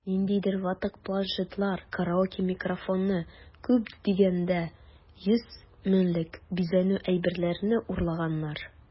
Ниндидер ватык планшетлар, караоке микрофоны(!), күп дигәндә 100 меңлек бизәнү әйберләре урлаганнар...